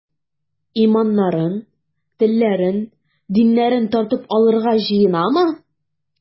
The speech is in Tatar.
Иманнарын, телләрен, диннәрен тартып алырга җыенамы?